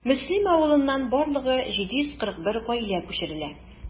Мөслим авылыннан барлыгы 741 гаилә күчерелә.